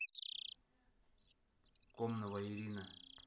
комнова ирина